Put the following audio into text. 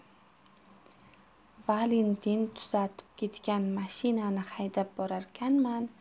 valentin tuzatib ketgan mashinani haydab borarkanman